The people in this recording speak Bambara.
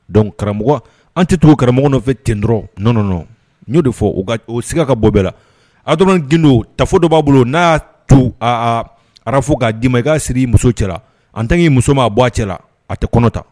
Don karamɔgɔ an tɛ to karamɔgɔ nɔfɛ nt dɔrɔn n nɔ n'o de fɔ siga ka bɔ bɛɛ la ar don tafo dɔ b'a bolo n'a'a to a arara fɔ k' d dii ma i siri i muso cɛla la an ta k'i muso ma a bɔ a cɛla la a tɛ kɔnɔta